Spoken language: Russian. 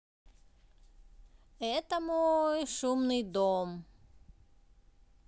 это мой шумный дом